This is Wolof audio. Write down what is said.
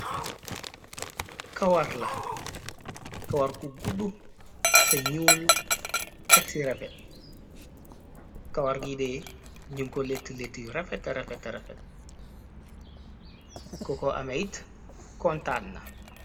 Kawar la kawar ku guddu te ñuul texi rafet kawar gidee jinko letti letiy rafet rafet rafet ko ko ameyt kontaanna.